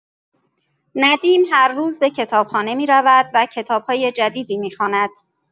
ندیم هر روز به کتابخانه می‌رود و کتاب‌های جدیدی می‌خواند.